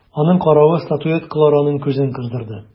Аның каравы статуэткалар аның күзен кыздырды.